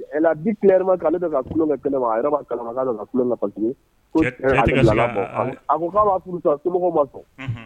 Bi ale ku kɛnɛ ku a ko ma